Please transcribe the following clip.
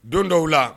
Don dɔw la